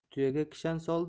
tuyaga kishan sol